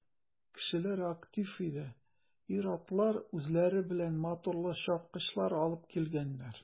Кешеләр актив иде, ир-атлар үзләре белән моторлы чапкычлар алыпн килгәннәр.